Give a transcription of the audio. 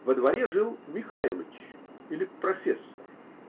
*** Во дворе жил "Михайлыч", или "профессор".